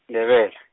-Ndebele.